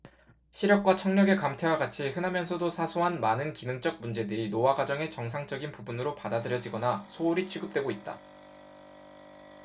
시력과 청력의 감퇴와 같이 흔하면서도 사소한 많은 기능적 문제들이 노화 과정의 정상적인 부분으로 받아들여지거나 소홀히 취급되고 있다